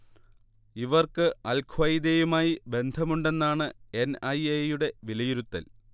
ഇവർക്ക് അൽ ഖ്വയ്ദയുമായി ബന്ധമുണ്ടെന്നാണ് എൻ. ഐ. എ യുടെ വിലയിരുത്തൽ